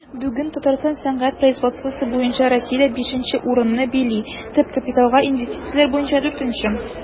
Бүген Татарстан сәнәгать производствосы буенча Россиядә 5 нче урынны били, төп капиталга инвестицияләр буенча 4 нче.